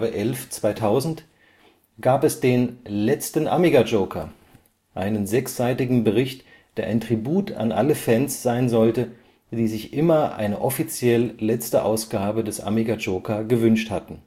11/2000) gab es den „ letzten Amiga Joker “– einen sechsseitigen Bericht, der ein Tribut an alle Fans sein sollte, die sich immer eine offiziell letzte Ausgabe des Amiga Joker gewünscht hatten